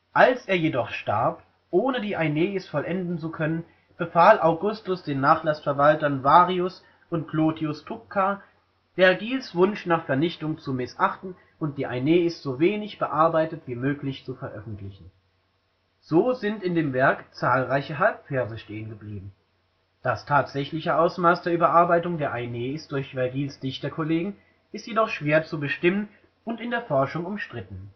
Als er jedoch starb, ohne die Aeneis vollenden zu können, befahl Augustus den Nachlassverwaltern, Varius und Plotius Tucca, Vergils Wunsch nach Vernichtung zu missachten und die Aeneis so wenig bearbeitet wie möglich zu veröffentlichen. So sind in dem Werk zahlreiche Halbverse stehen geblieben; das tatsächliche Ausmaß der Überarbeitung der Aeneis durch Vergils Dichterkollegen ist jedoch schwer zu bestimmen und in der Forschung umstritten